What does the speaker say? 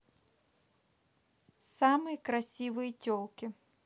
самые красивые телки